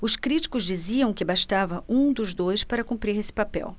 os críticos diziam que bastava um dos dois para cumprir esse papel